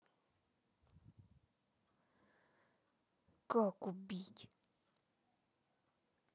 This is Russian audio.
как убить